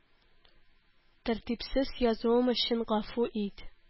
Тәртипсез язуым өчен гафу ит.